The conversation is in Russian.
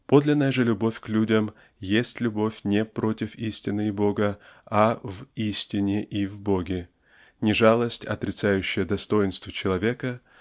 Подлинная же любовь к людям есть любовь не против истины и Бога а в истине и в Боге не жалость отрицающая достоинство человека